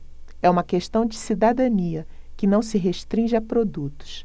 é uma questão de cidadania que não se restringe a produtos